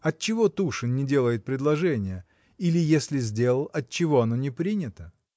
Отчего Тушин не делает предложения, или, если сделал, отчего оно не принято?